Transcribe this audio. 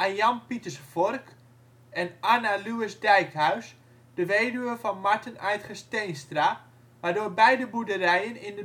Jan Pieters Vork en Anna Lues Dijkhuis, de weduwe van Marten Aedsges Teenstra, waardoor beide boerderijen in